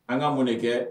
An ka mun kɛ